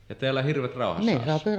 ja täällä hirvet rauhassa asuu